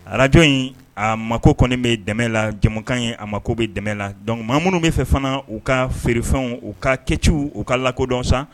Radio in a mago kɔni bɛ dɛmɛ la . Jɛmukan in a mago bɛ dɛmɛ la. donc maa munun bi fɛ fana u ka feerefɛnw u ka kɛ ciw u ka lakɔdɔn sa